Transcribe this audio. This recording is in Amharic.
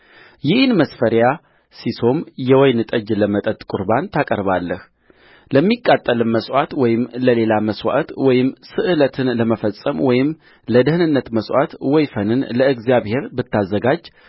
የኢን መስፈሪያ ሢሶም የወይን ጠጅ ለመጠጥ ቍርባን ታቀርባለህለሚቃጠልም መሥዋዕት ወይም ለሌላ መሥዋዕት ወይም ስእለትን ለመፈጸም ወይም ለደኅንነት መሥዋዕት ወይፈንን ለእግዚአብሔር ብታዘጋጅ